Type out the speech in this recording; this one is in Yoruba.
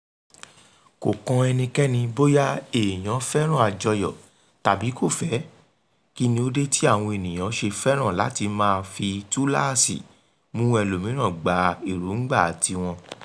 Kò kan ẹnikéni bóyá èèyàn féràn àjọyọ̀ tàbí kò fẹ́, kí ni ó dé tí àwọn ènìyàn ṣe fẹ́ràn láti máa fi túláàsì mú ẹlòmíràn gba èròńgbà ti wọn?